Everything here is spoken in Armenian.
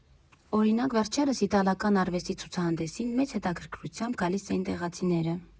Օրինակ՝ վերջերս իտալական արվեստի ցուցահանդեսին մեծ հետաքրքրությամբ գալիս էին տեղացիները։